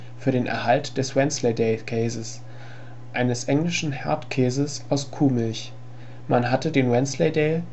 für den Erhalt des Wensleydale-Käses, eines englischen Hartkäses aus Kuhmilch. Man hatte den Wensleydale